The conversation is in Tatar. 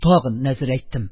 Тагы нәзер әйттем.